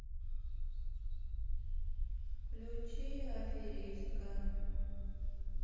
включи аферистка